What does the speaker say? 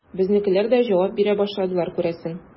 Безнекеләр дә җавап бирә башладылар, күрәсең.